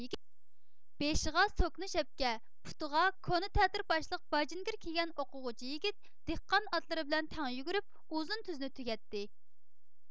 بېشىغا سوكنا شەپكە پۇتىغا كونا تەتۈر باشلىق باجىنگىر كىيگەن ئوقۇغۇچى يىگىت دېھقان ئاتلىرى بىلەن تەڭ يۈگۈرۈپ ئۇزۇن تۈزنى تۈگەتتى